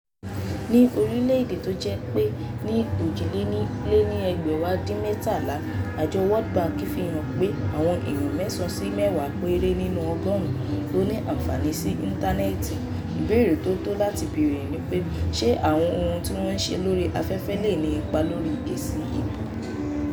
Ní orílẹ̀ èdè tó jẹ́ pé ní 2007, àjọ World Bank fi hàn pé àwọn eèyàn 9-10 péré nínu 100 ló ní aànfààní sí íntánẹ́ẹ̀ti, ìbéèrè tó tọ́ láti beèrè ni pé ṣe àwọn ohun tí wọ́n ń ṣe lórí afẹ́fẹ́ lè ní ipa lórí èsì ìbò.